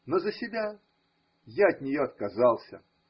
Но за себя я от нее отказался.